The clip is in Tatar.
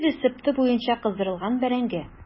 Чит ил рецепты буенча кыздырылган бәрәңге.